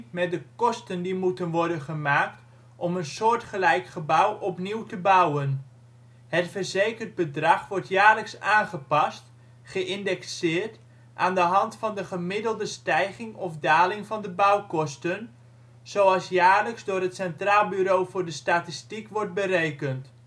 met de kosten die moeten worden gemaakt om een soortgelijk gebouw opnieuw te bouwen. Het verzekerd bedrag wordt jaarlijks aangepast (geïndexeerd) aan de hand van de gemiddelde stijging of daling van de bouwkosten, zoals jaarlijks door het Centraal Bureau voor de Statistiek wordt berekend